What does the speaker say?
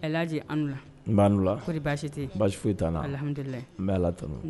Ji la'an la pɔri baasite baasi foyi' na alihamudulila n bɛ alatɔnɔ